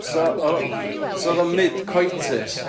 So o'dd o- so o'dd o'n mid coitus